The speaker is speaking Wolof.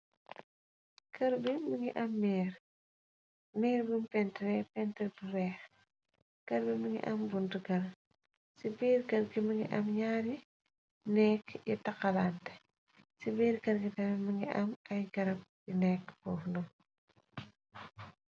Kerr bii mungy mirr, mirr bungh peinturreh peintur bu wekh, kerr bii mungy am buntu kerr, cii birr kerr bii mungy am njarri negg yu takalanteh, cii birr kerr bii tamit mungy am aiiy garab yu neka fofu.